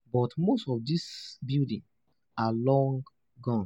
But most of these buildings are long gone.